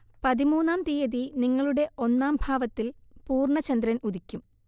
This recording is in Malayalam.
പതിമൂന്നാം തീയതി നിങ്ങളുടെ ഒന്നാം ഭാവത്തിൽ പൂർണ ചന്ദ്രൻ ഉദിക്കും